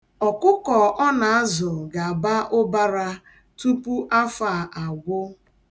Ọkụkọ ọ na-azụ ga-aba ụbara tupu afọ a agwụ.